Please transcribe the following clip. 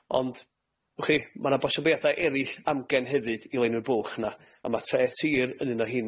Ond w'ch chi, ma' 'na bosibiliada erill amgen hefyd i lenwi'r bwlch 'na, a ma' treth tir yn un o 'heini,